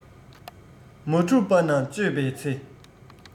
མ གྲུབ པ ན དཔྱོད པའི ཚེ